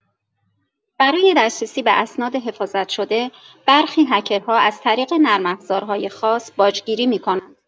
برای دسترسی به اسناد حفاظت شده، برخی هکرها از طریق نرم‌افزارهای خاص باج‌گیری می‌کنند.